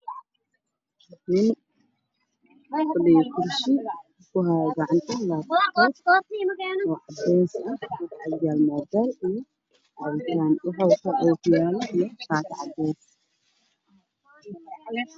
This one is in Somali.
Nin ku fadhiyo kursi ku hayo gacanta labtab caddaana waxaa ag yaalla caadad ay biyo ku jiraan